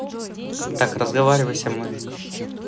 так разговаривай со мной